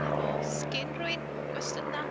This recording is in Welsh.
'Na fo, 'sgen unrywun gwestiyna?